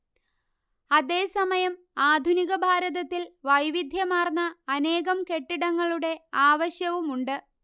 അതേസമയം ആധുനിക ഭാരതത്തിൽ വൈവിധ്യമാർന്ന അനേകം കെട്ടിടങ്ങളുടെ ആവശ്യവുമുണ്ട്